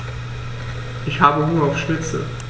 Ich habe Hunger auf Schnitzel.